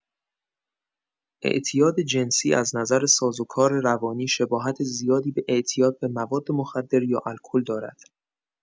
اعتیاد جنسی از نظر سازوکار روانی شباهت زیادی به اعتیاد به مواد مخدر یا الکل دارد.